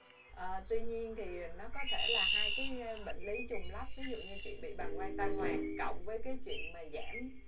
ờ tuy nhiên thì nó có thể là hai cái bệnh lý trùng lắp ví dụ như chị bị bàng quang tăng hoạt cộng với cái chuyện mà giảm